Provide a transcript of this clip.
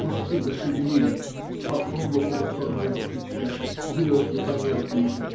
Кусты зашевелились, вспорхнула полусонная птичка. Звезды померкли.